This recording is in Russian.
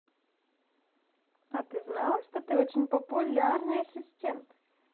а ты знала что ты очень популярный ассистент